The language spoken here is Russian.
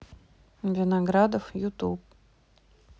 виноградов ютуб